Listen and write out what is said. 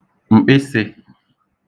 m̀kpịsị̄